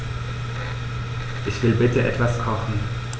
Ich will bitte etwas kochen.